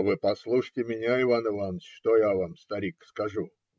- Вы послушайте меня, Иван Иваныч, что вам я, старик, скажу.